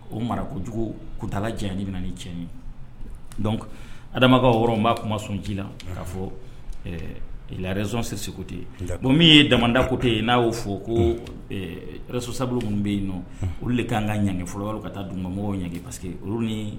O mara kojugu kutala janani bɛna ni cɛn dɔn adamakaw wɔɔrɔ'a kuma sɔn ji la k'a fɔ larezon tɛ segu tɛ bon min ye damada kote yen n' y'o fɔ ko sosa tun bɛ yen nɔn olu de ka kan ka ɲgɛn fɔlɔ ka taa dun mɔgɔw ɲɛ pa parceseke que olu ni